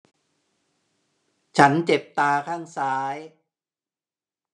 ฉันเจ็บตาข้างซ้าย